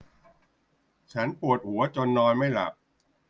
ฉันปวดหัวจนนอนไม่หลับ